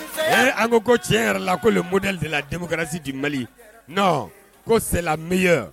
Ee an ko ko tiɲɛ yɛrɛ la kolen mod dela denkarasi di mali nɔn ko se miya